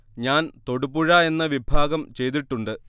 ഞാൻ തൊടുപുഴ എന്ന വിഭാഗം ചെയ്തിട്ടുണ്ട്